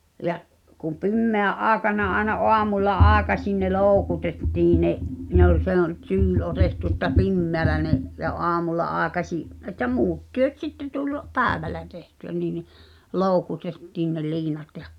ja kun pimeänä aikana aina aamulla aikaisin ne loukutettiin ne ne oli se oli tyyli otettu että pimeällä ne ja aamulla aikaisin että muut työt sitten tuli päivällä tehtyä niin niin loukutettiin ne liinat ja